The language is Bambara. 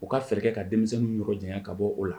U kaa fɛɛrɛ ka denmisɛn yɔrɔ jan ka bɔ o la